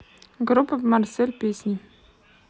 группа марсель песни